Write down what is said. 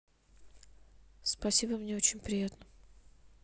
спасибо мне очень приятно